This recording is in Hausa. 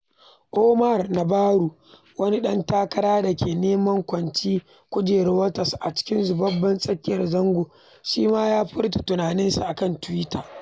Omar Navarro, wani ɗan takara da ke neman ƙwace kujerar Waters a cikin zaɓuɓɓukan tsakiyar zango, shi ma ya furta tunaninsa a kan Twitter.